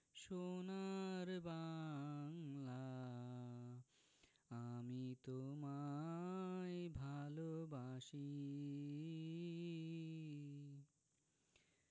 সোনার বাংলা আমি তোমায় ভালোবাসি